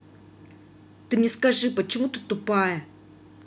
ты мне скажи почему ты тупая